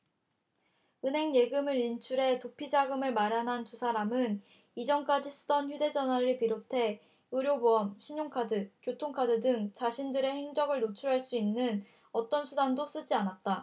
은행 예금을 인출해 도피자금을 마련한 두 사람은 이전까지 쓰던 휴대전화를 비롯해 의료보험 신용카드 교통카드 등 자신들의 행적을 노출할 수 있는 어떤 수단도 쓰지 않았다